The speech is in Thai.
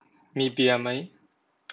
มีเบียร์ไหม